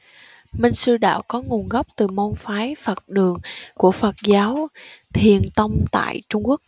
minh sư đạo có nguồn gốc từ môn phái phật đường của phật giáo thiền tông tại trung quốc